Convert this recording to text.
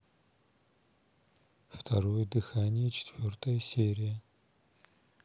второе дыхание четвертая серия